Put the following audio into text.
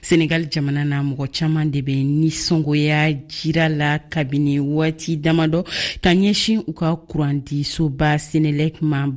senegali jamana na mɔgɔ caman de bɛ nisɔngoya jirala kabini waati damadɔ ka ɲɛsin u ka kurandisoba senelek ma